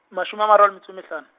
mashome a mararo a metso e mehlano.